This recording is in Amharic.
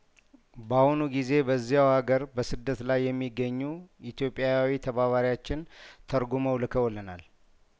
በአሁኑ ጊዜ በዚያው አገር በስደት ላይ የሚገኙ ኢትዮጵያዊ ተባባሪያችን ተርጉመው ልከውልናል